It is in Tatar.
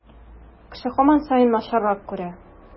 Кеше һаман саен начаррак күрә.